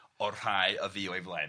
o'r rhai a fyw o'i flaen.